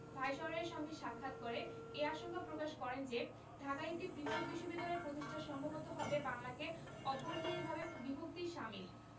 ভাইসরয়ের সঙ্গে সাক্ষাৎ করে এ আশঙ্কা প্রকাশ করেন যে ঢাকায় একটি পৃথক বিশ্ববিদ্যালয় প্রতিষ্ঠা সম্ভবত হবে বাংলাকে অভ্যন্তরীণভাবে বিভক্তির শামিল